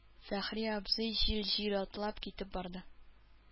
Фәхри абзый җил-җил атлап китеп барды.